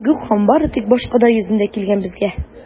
Мәңгүк хан бары тик башкода йөзендә килгән безгә!